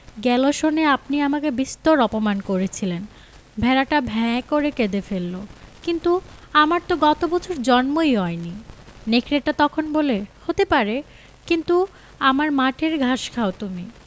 গেল সনে আপনি আমাকে বিস্তর অপমান করেছিলেন ভেড়াটা ভ্যাঁ করে কেঁদে ফেলল কিন্তু আমার তো গত বছর জন্মই হয়নি নেকড়েটা তখন বলে হতে পারে কিন্তু আমার মাঠের ঘাস খাও তুমি